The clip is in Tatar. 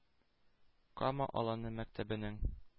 Кама Аланы мәктәбенең